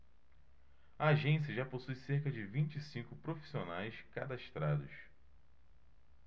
a agência já possui cerca de vinte e cinco profissionais cadastrados